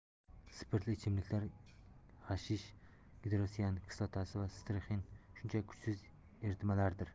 spirtli ichimliklar gashish gidrosiyan kislotasi va strixnin shunchaki kuchsiz eritmalardir